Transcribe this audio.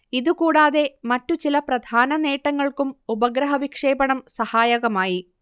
ഇതുകൂടാതെ മറ്റു ചില പ്രധാന നേട്ടങ്ങൾക്കും ഉപഗ്രഹവിക്ഷേപണം സഹായകമായി